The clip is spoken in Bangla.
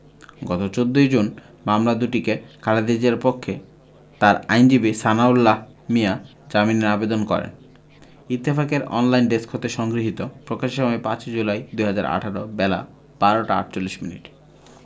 গত ১৪ জুন মামলা দুটিতে খালেদা জিয়ার পক্ষে তার আইনজীবী সানাউল্লাহ মিয়া জামিনের আবেদন করেন ইত্তেফাকের অনলাইন ডেস্ক হতে সংগৃহীত প্রকাশের সময় ৫ জুলাই ২০১৮ বেলা১২টা ৪৮ মিনিট